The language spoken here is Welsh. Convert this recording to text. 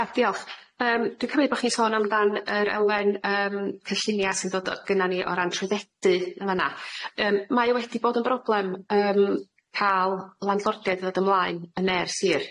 Ia diolch yym dwi'n cymryd bo chi'n sôn am dan yr elfen yym cyllunia sy'n dod o- gynna ni o ran trwyddedu yn fan'na yym mae o wedi bod yn broblem yym ca'l landlordiaid i ddod ymlaen yn ne'r sir,